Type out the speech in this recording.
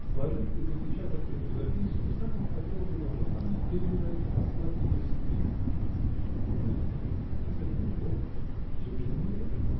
Сложив и запечатав эту записку, Санин хотел было позвонить кельнера и послать ее с ним. Нет!-- этак неловко. Через Эмиля?